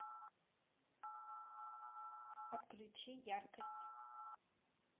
отключи яркость